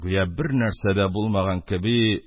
Гүя бернәрсә дә булмаган кеби,